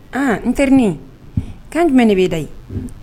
N teririni k' jumɛn ne bɛ da ye